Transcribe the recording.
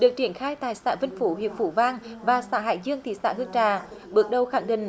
được triển khai tại xã vân phủ huyện phú vang và xã hải dương thị xã hương trà bước đầu khẳng định